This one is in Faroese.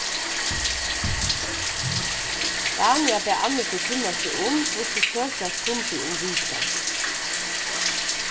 dania bað anniku kunna seg um hvussu søkjast kundi um visa